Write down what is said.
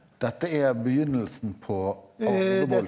dette er begynnelsen på.